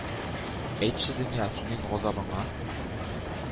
Әйтче, дөнья, синең газабыңа